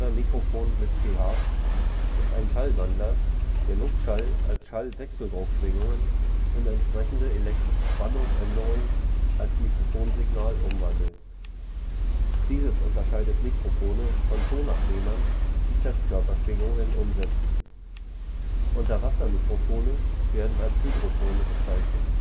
Mikrofon oder Mikrophon ist ein Schallwandler, der Luftschall als Schallwechseldruckschwingungen in entsprechende elektrische Spannungsänderungen als Mikrofonsignal umwandelt. Dieses unterscheidet Mikrofone von Tonabnehmern, die Festkörperschwingungen umsetzen. Unterwasser-Mikrofone werden als Hydrofone bezeichnet